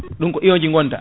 ɗum ko ion ji gonta